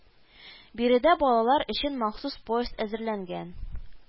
Биредә балалар өчен махсус поезд әзерләнгән